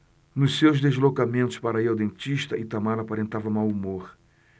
nos seus deslocamentos para ir ao dentista itamar aparentava mau humor